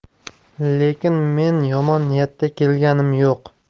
lekin men yomon niyatda kelganim yo'q